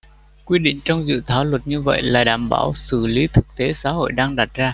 quy định trong dự thảo luật như vậy là đảm bảo xử lý thực tế xã hội đang đặt ra